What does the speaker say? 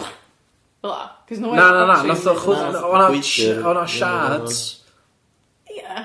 fel 'na, cos no wê. Na na na na. Nath o chwythu, nath o oedd na shards. Ia.